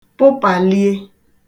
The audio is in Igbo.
pụpàlie